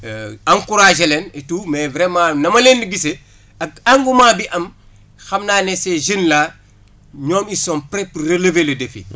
encouragé leen et tout mais vraiment nama leen gisee ak engouement bi am xam naa ne ces jeunes là ñoom ils sont prêts pour relever le défi